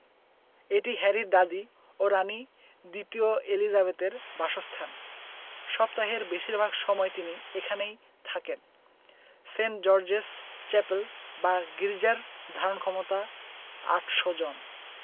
এটি হ্যারির দাদি ও রানি দ্বিতীয় এলিজাবেথের বাসস্থান সপ্তাহের বেশির ভাগ সময় তিনি এখানেই থাকেন সেন্ট জর্জেস চ্যাপেল বা গির্জার ধারণক্ষমতা ৮০০ জন